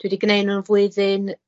dwi 'di gneud nw yn y flwyddyn